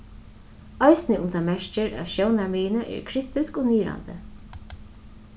eisini um tað merkir at sjónarmiðini eru kritisk og niðrandi